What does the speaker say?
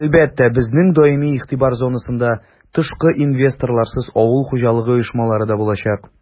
Әлбәттә, безнең даими игътибар зонасында тышкы инвесторларсыз авыл хуҗалыгы оешмалары да булачак.